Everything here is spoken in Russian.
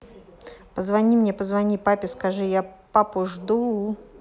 позвони мне позвони папе скажи я папу жду